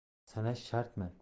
sanash shartmi